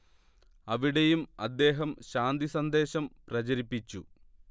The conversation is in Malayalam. അവിടെയും അദ്ദേഹം ശാന്തി സന്ദേശം പ്രചരിപ്പിച്ചു